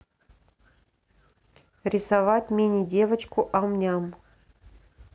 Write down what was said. рисовать мини девочку ам ням